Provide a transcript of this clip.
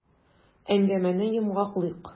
Әңгәмәне йомгаклыйк.